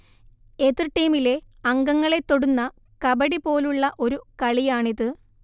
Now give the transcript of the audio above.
എതിർ ടീമിലെ അംഗങ്ങളെ തൊടുന്ന കബഡിപോലുള്ള ഒരു കളിയാണിത്